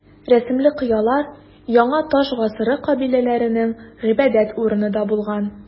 Рәсемле кыялар яңа таш гасыры кабиләләренең гыйбадәт урыны да булган.